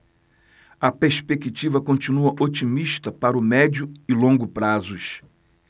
a perspectiva continua otimista para o médio e longo prazos